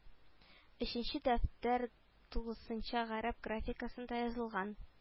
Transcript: Өченче дәфтәр тулысынча гарәп графикасында язылган